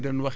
waaw